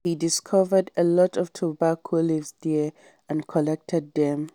He discovered a lot of tobacco leaves there and collected them.